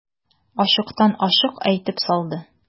Ачыктан-ачык әйтеп салды.